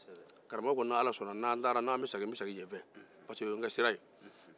karamɔgɔkɛ ko ni ala sɔnna ni n taara an segintɔ be segin yen fɛ